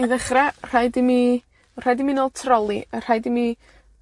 i ddechra,.rhaid i mi, ma' rhaid i mi nôl troli, a rhaid i mi